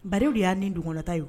Bari o de y'a nin dungo la ta ye o